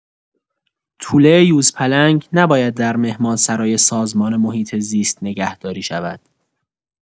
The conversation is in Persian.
توله یوزپلنگ نباید در مهمانسرای سازمان محیط‌زیست نگهداری شود.